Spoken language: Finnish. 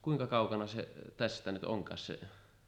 kuinka kaukana se tästä nyt onkaan se